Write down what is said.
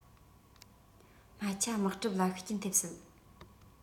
སྨད ཆ དམག གྲབས ལ ཤུགས རྐྱེན ཐེབས སྲིད